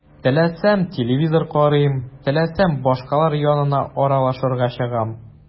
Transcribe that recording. Теләсәм – телевизор карыйм, теләсәм – башкалар янына аралашырга чыгам.